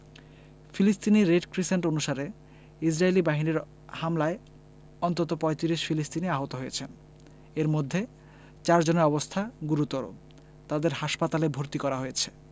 ফিলিস্তিনি Red Crescent অনুসারে ইসরাইলি বাহিনীর হামলায় অন্তত ৩৫ ফিলিস্তিনি আহত হয়েছেন এর মধ্যে চারজনের অবস্থা গুরুত্বর তাদের হাসপাতালে ভর্তি করা হয়েছে